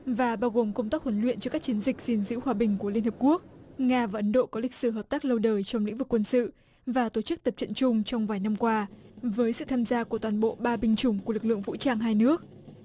và bao gồm công tác huấn luyện cho các chiến dịch gìn giữ hòa bình của liên hiệp quốc nga và ấn độ có lịch sử hợp tác lâu đời trong lĩnh vực quân sự và tổ chức tập trận chung trong vài năm qua với sự tham gia của toàn bộ ba binh chủng của lực lượng vũ trang hai nước